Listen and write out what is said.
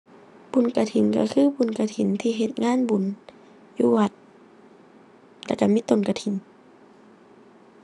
บุญกฐินก็คือบุญกฐินที่เฮ็ดงานบุญอยู่วัด แล้วก็มีต้นกฐิน